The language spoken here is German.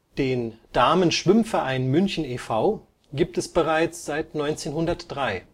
Den Damen-Schwimm-Verein München e. V. gibt es bereits seit 1903. Der Verein